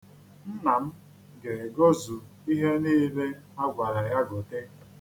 Nna m ga-egozu ihe niile a gwara ya gote.